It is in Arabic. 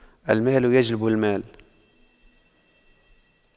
المال يجلب المال